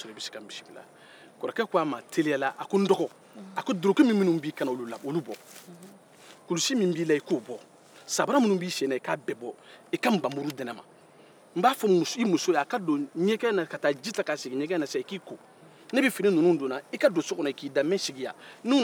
kɔrɔ ko a ma teliyala a ko n dɔgɔ a ko duloki minnu b'i kanna olu bɔ kulusi min b'i la e ko bɔ a ko samara minnu b'i senna i k'a bɛ e bɔ i ka nbamuru di ne man a b'a fɔ i muso ye a ka don ɲɛgɛn na ka taa ji ta ka taa sigi ɲɛgɛn na i k'i ko n bɛ fini ninnu don n na e ka don so kɔnɔ i ka t'i da n sigi yan n'u nana n b'a fɔ ne de y'a faa